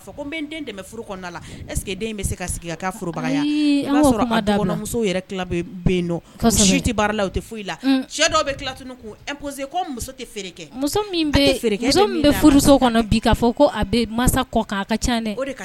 fɔ ko n tɛmɛ furu la e bɛ se ka sigi' sɔrɔ la tɛ foyi la dɔw bɛ kitse muso tɛ muso fɔ kɔ ka ca